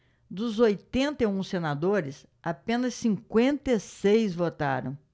dos oitenta e um senadores apenas cinquenta e seis votaram